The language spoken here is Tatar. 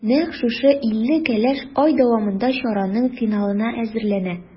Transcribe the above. Нәкъ шушы илле кәләш ай дәвамында чараның финалына әзерләнә.